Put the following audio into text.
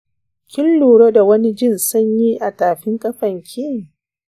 kin lura da wani jin sanyi a tafin kafanki?